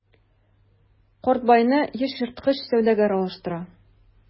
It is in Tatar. Карт байны яшь ерткыч сәүдәгәр алыштыра.